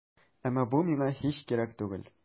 Әмма бу миңа һич кирәк түгел.